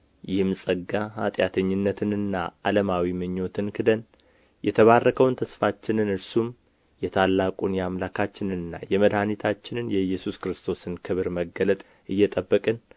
ይህም ጸጋ ኃጢአተኝነትንና ዓለማዊን ምኞት ክደን የተባረከውን ተስፋችንን እርሱም የታላቁን የአምላካችንንና የመድኃኒታችንን የኢየሱስ ክርስቶስን ክብር መገለጥ እየጠበቅን